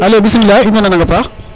alo bismilah in way nanang a paax